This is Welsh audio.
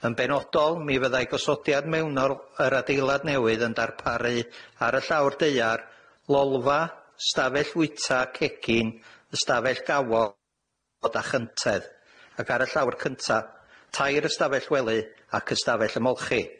Yn benodol, mi fyddai gosodiad mewnol yr adeilad newydd yn darparu ar y llawr daear, lolfa, stafell fwyta, cegin, ystafell gawod, a chyntedd. Ac ar y llawr cynta, tair ystafell wely ac ystafell ymolchi.